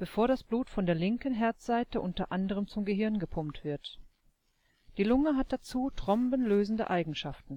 bevor das Blut von der linken Herzseite unter anderem zum Gehirn gepumpt wird. Die Lunge hat dazu thrombenlösende Eigenschaften